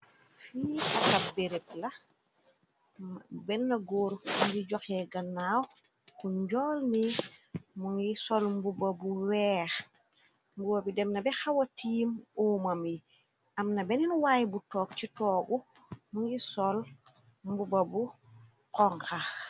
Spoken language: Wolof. Fi akab bereb la benn góor ngi joxee gannaaw ku njool ni mu ngi sol mbuba bu weex mbuba bi demna bi xawa tiim uumam yi amna beneen waaye bu toog ci toogu mu ngi sol mbuba bu konxa.